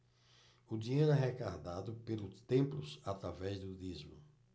o dinheiro é arrecadado pelos templos através do dízimo